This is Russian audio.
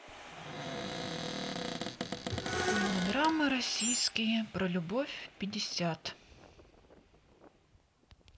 мелодрамы российские про любовь пятьдесят